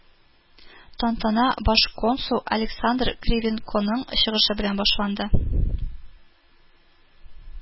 Тантана баш консул Александр Кривенконың чыгышы белән башланды